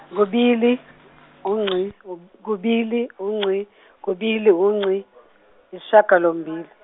kubili unci, ku- kubili unci, kubili unci , isishagalombili.